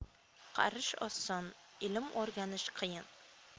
qarish oson ilm o'rganish qiyin